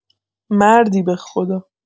مردی بخدا